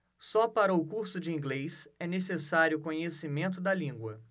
só para o curso de inglês é necessário conhecimento da língua